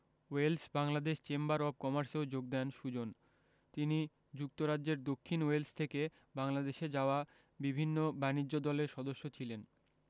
Wales Bangladesh chamber of কমার্সেও যোগ দেন সুজন তিনি যুক্তরাজ্যের দক্ষিণ ওয়েলস থেকে বাংলাদেশে যাওয়া বিভিন্ন বাণিজ্য দলের সদস্য ছিলেন